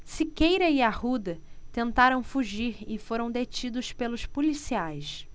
siqueira e arruda tentaram fugir e foram detidos pelos policiais